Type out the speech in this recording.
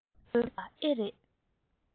གཞལ དགོས པ ཨེ རེད